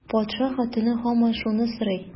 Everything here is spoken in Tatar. Патша хатыны һаман шуны сорый.